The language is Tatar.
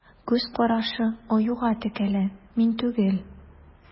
Күз карашы Аюга текәлә: мин түгел.